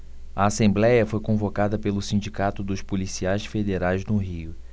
a assembléia foi convocada pelo sindicato dos policiais federais no rio